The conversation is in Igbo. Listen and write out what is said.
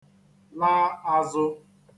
-la āzụ̄